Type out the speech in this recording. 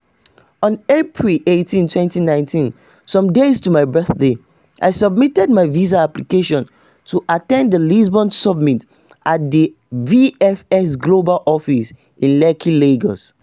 On April 18, 2019, some days to my birthday, I submitted my visa application to attend the Lisbon summit at the VFS Global office in Lekki, Lagos.